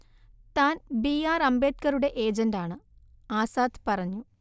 താൻ B R അംബേദ്കറുടെ ഏജന്റാണ്- ആസാദ് പറഞ്ഞു